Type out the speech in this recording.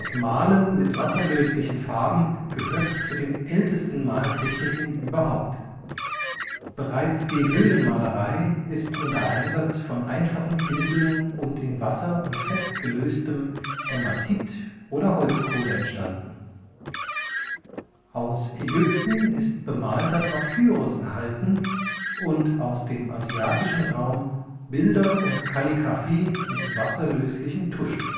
Malen mit wasserlöslichen Farben gehört zu den ältesten Maltechniken überhaupt. Bereits die Höhlenmalerei ist unter Einsatz von einfachen Pinseln und in Wasser und Fett gelöstem Hämatit oder Holzkohle entstanden. Aus Ägypten ist bemalter Papyrus erhalten, und aus dem asiatischen Raum Bilder und Kalligraphie mit wasserlöslichen Tuschen